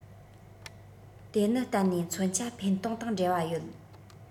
དེ ནི གཏན ནས མཚོན ཆ འཕེན གཏོང དང འབྲེལ བ ཡོད